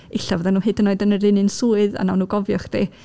Ella fyddyn nhw hyd yn oed yn yr un un swydd a wnawn nhw gofio chdi.